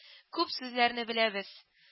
- күп сүзләрне беләбез